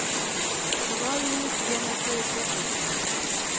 Шулай ул, янәсе, тәртип урнаштыра.